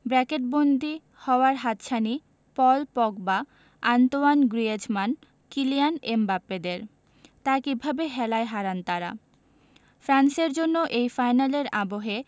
ব্র্যাকেটবন্দি হওয়ার হাতছানি Paul Pogba Antoine Griezmann Kylian এমবাপ্পেদের তা কিভাবে হেলায় হারান তাঁরা ফ্রান্সের জন্য এই ফাইনালের আবহে